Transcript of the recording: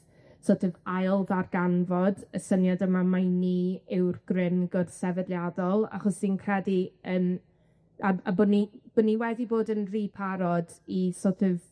sort of ail ddarganfod y syniad yma mai ni yw'r grym gwrthsefydliadol. Achos fi'n credu yym a a bo' ni bo' ni wedi bod yn rhy parod i sort of